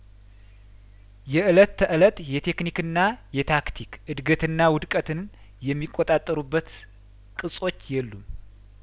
የእለት ተእለት የቴክኒክና የታክቲክ እድገትና ውድቀትን የሚቆጣጠሩበት ቅጾች የሉም